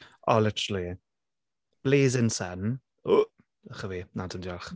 O literally. Blazing sun. Ych a fi. Na dim diolch.